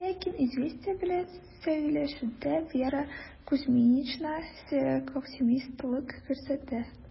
Ләкин "Известия" белән сөйләшүдә Вера Кузьминична сирәк оптимистлык күрсәтте: